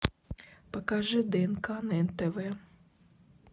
покажи днк на нтв